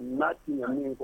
N'a tɛ ɲɛ min kɔ